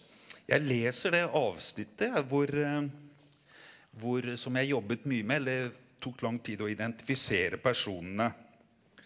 jeg leser det avsnittet jeg hvor hvor som jeg jobbet mye med eller tok lang tid å identifisere personene.